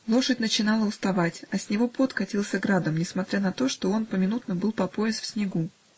Лошадь начинала уставать, а с него пот катился градом, несмотря на то, что он поминутно был по пояс в снегу.